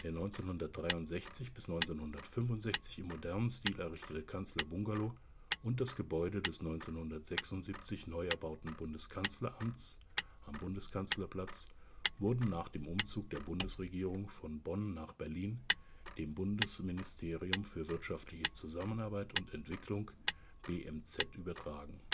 1963 – 1965 im modernen Stil errichtete Kanzlerbungalow und die Gebäude des 1976 neu erbauten Bundeskanzleramts am Bundeskanzlerplatz wurden nach dem Umzug der Bundesregierung von Bonn nach Berlin dem Bundesministerium für wirtschaftliche Zusammenarbeit und Entwicklung (BMZ) übertragen